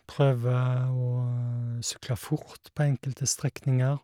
Prøver å sykle fort på enkelte strekninger.